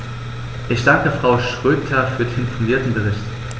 Ich danke Frau Schroedter für den fundierten Bericht.